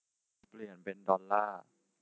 เปลี่ยนเป็นดอลล่า